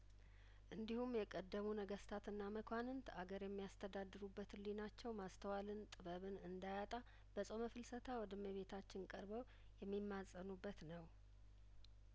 እንዲሁም የቀደሙ ነገስታትና መኳንንት አገር የሚያስተዳድሩበት ህሊናቸው ማስተዋልን ጥበብን እንዳያጣ በጾመ ፍልሰታ ወደ እመቤታችን ቀርበው የሚማጸኑበት ነው